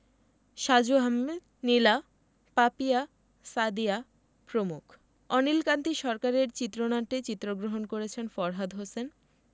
সাজু আহমেদ নীলা পাপিয়া সাদিয়া প্রমুখ অনিক কান্তি সরকারের চিত্রনাট্যে চিত্রগ্রহণ করেছেন ফরহাদ হোসেন